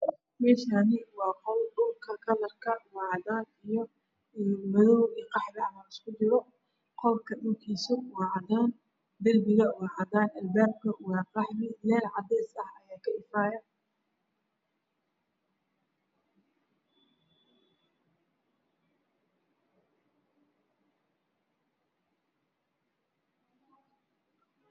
Me Shani wa qol dhuka kalarka wa cadan iya mad madow qaxwi ah a iskujuro qol ku dhul kisu wa cadan derboga wa cadan al babka wa qaxwi leer cadas ah aya ka ifaayo